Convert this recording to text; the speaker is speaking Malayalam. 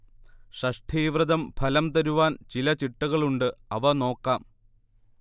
ഷഷ്ഠീവ്രതം ഫലം തരുവാൻ ചില ചിട്ടകളുണ്ട് അവ നോക്കാം